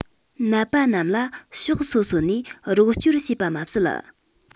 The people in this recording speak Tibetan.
ནད པ རྣམས ལ ཕྱོགས སོ སོ ནས རོགས སྐྱོར བྱས པ མ ཟད